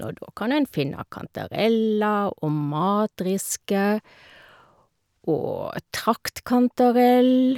Og da kan en finne kantareller og matriske og traktkantarell.